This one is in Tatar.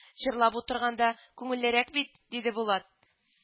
Җырлап утырганда күңеллерәк бит,—диде булат